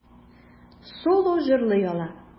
Соло җырлый ала.